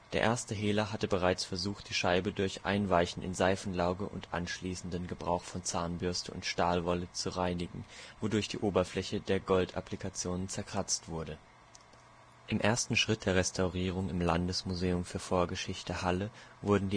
erste Hehler hatte bereits versucht, die Scheibe durch Einweichen in Seifenlauge und anschließenden Gebrauch von Zahnbürste und Stahlwolle zu reinigen, wodurch die Oberfläche der Goldapplikationen zerkratzt wurde. Im ersten Schritt der Restaurierung im Landesmuseum für Vorgeschichte Halle wurden